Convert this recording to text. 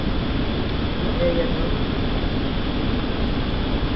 kom her jógvan